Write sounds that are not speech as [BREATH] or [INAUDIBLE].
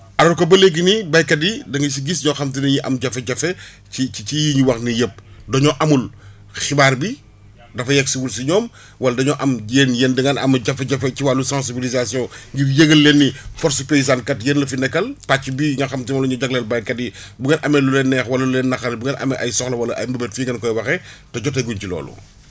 alors que ba léegi nii béykat yi da nga si gis yoo xam te ne yii am jafe-jafe ci ci yii ñu wax nii yëpp dañoo amul xibaar bi dafa yegg si wul s ñoom [BREATH] wala dañoo am yéen yéen da ngeen am jafe-jafe ci wàllu sensibilisation [BREATH] ngir yëgal leen ni force paysane kat yéen la fi nekkal pàcc bii nga xam te moom la ñu jagleel béykat yi [BREATH] bu ngeen amee lu leen neex wala lu leen naqari bu ngeen amee ay soxla wala ay mbëbët fii ngeen koy waxee [BREATH] te joteeguñ ci loolu